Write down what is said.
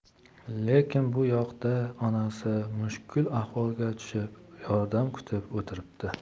lekin bu yoqda onasi mushkul ahvolga tushib yordam kutib o'tiribdi